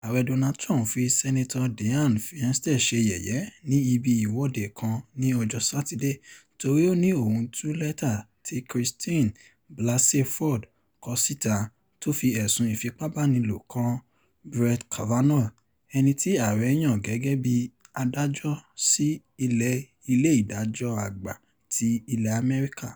Ààrẹ Donald Trump fi Sínátọ̀ Dianne Feinste ṣe yẹ̀yẹ́ ní ibí ìwọ́de kan ní ọjọ́ Sátidé torí ó ní òun ọ́ tú lẹ́tà tí Christine Blasey Ford kọ síta, tó fi ẹ̀sùn ìfipábánilòpọ̀ kan Brett Kavanaugh, ẹni tí ààre yan gẹ́gẹ́ bí adájọ́ sí Ilé-ìdájọ́ Àgbà ti ilẹ̀ Amẹ́ríkà.